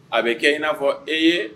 A bɛ kɛ i n'a fɔ e ye